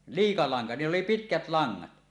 liika lanka niillä oli pitkät langat